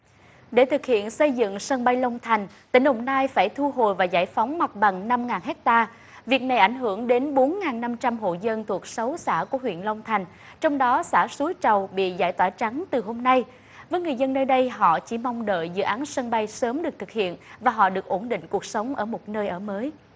để thực hiện xây dựng sân bay long thành tỉnh đồng nai phải thu hồi và giải phóng mặt bằng năm ngàn héc ta việc này ảnh hưởng đến bốn ngàn năm trăm hộ dân thuộc sáu xã của huyện long thành trong đó xã suối trầu bị giải tỏa trắng từ hôm nay với người dân nơi đây họ chỉ mong đợi dự án sân bay sớm được thực hiện và họ được ổn định cuộc sống ở một nơi ở mới